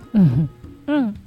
Unhun un